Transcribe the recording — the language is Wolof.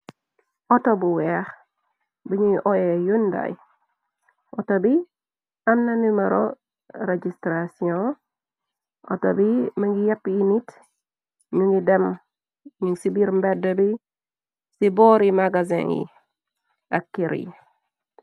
Auto bu weex bi ñuy oye yundaay auto bi am na numero registratiyon auto bi më ngi yepp init ñu ngi dem ñu ci biir mbedd bi ci boori magasin yi ak keur yi.